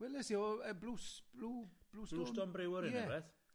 Weles i o yy Blues- Blue- Bluestone? Bluestone Brewery neu rwbeth. Ie.